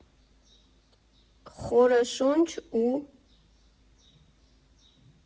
Խորը շունչ, ու…